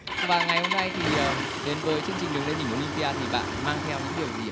và ngày hôm nay thì ờ đến với chương trình đường lên đỉnh ô lim pi a thì bạn mang theo những điều gì ạ